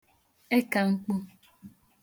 ẹkà mkpu